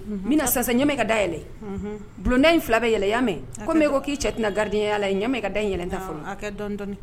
N bɛna sisansa ɲamɛ ka da yɛlɛ bulonda in fila bɛ yɛlɛ mɛn ko ko k'i cɛ tɛna garidi yɛlɛ ɲɛmɛ ka da yɛlɛ